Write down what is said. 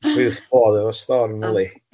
Dwi wrth bodd efo storm yli.